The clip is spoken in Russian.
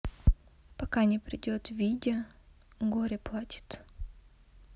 пока не придет видя горе платит